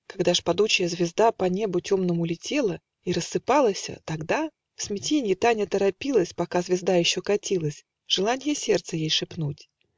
Когда ж падучая звезда По небу темному летела И рассыпалася, - тогда В смятенье Таня торопилась, Пока звезда еще катилась, Желанье сердца ей шепнуть.